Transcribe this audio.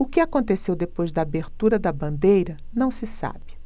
o que aconteceu depois da abertura da bandeira não se sabe